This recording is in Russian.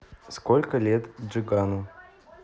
сколько лет джигану